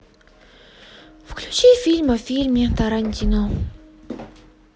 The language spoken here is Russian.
включи фильм о фильме тарантино